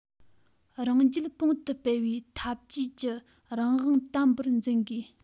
རང རྒྱལ གོང དུ སྤེལ བའི འཐབ ཇུས ཀྱི རང དབང དམ པོར འཛིན དགོས